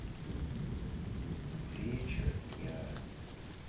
вечер дня